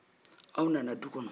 aw nana dun kɔnɔ